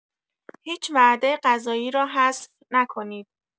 هیچ وعده غذایی را حذف نکنید.